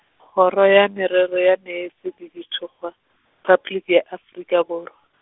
Kgoro ya Merero ya Meetse le Dithokgwa, -pabliki ya Afrika Borwa.